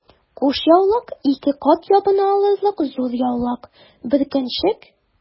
Кушъяулык— ике кат ябына алырлык зур яулык, бөркәнчек...